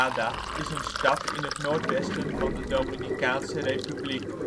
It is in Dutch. stad in het noordwesten van de Dominicaanse Republiek